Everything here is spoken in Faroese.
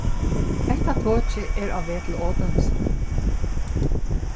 hetta tokið er á veg til odense